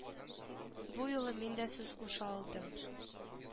Бу юлы мин дә сүз куша алдым